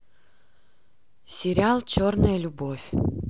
сериал черная любовь